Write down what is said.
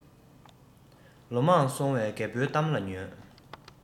ལོ མང སོང བའི རྒད པོའི གཏམ ལ ཉོན